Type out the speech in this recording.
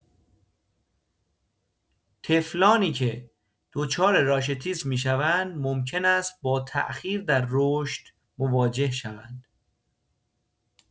طفلانی که دچار راشیتیسم می‌شوند، ممکن است با تاخیر در رشد مواجه شوند.